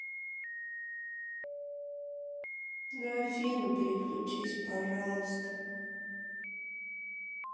на афину переключись пожалуйста